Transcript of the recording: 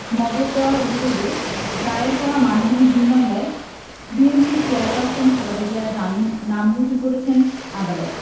মদদ দেওয়ার অভিযোগে দায়ের করা মানহানির দুই মামলায় বিএনপির চেয়ারপারসন খালেদা জিয়ার জামিন নামঞ্জুর করেছেন আদালত